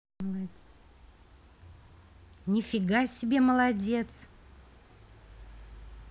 ни фига себе молодец